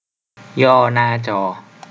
ย่อหน้าจอ